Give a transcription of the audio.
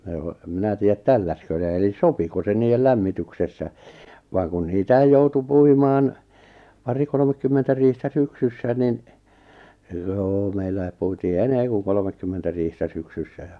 ne on en minä tiedä tälläsikö ne eli sopiko se niiden lämmityksessä vaan kun niitä joutui puimaan pari kolmekymmentä riihtä syksyssä niin joo meillä puitiin enemmän kuin kolmekymmentä riihtä syksyssä ja